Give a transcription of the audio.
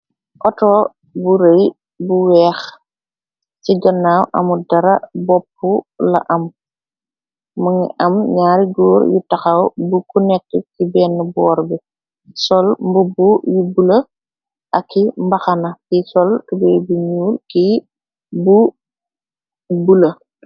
Auto bu rëy bu weex, ci gannaaw amul dara bopp la am, mëngi am ñaari jóor yu taxaw, bu ku nekt ci benn boor bi sol mbubb yu bule, a ki mbaxana ti sol tube bi ñuur, ki bu bula.